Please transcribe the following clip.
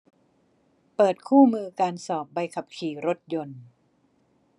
เปิดคู่มือการสอบใบขับขี่รถยนต์